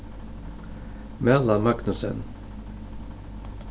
malan magnussen